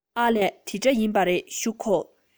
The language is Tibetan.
ཨ ལས དེ འདྲ ཡིན པ རེད བཞུགས དགོ